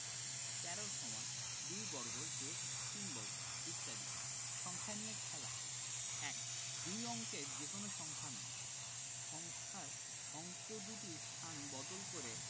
১৩=২^২+৩^২ ইত্যাদি সংখ্যা নিয়ে খেলা ১ দুই অঙ্কের যেকোনো সংখ্যা নাও সংখ্যার অঙ্ক দুইটির স্থান বদল করে